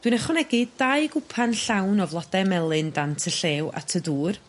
Dwi'n ychwanegu dau gwpan llawn o flode melyn dant y llew at y dŵr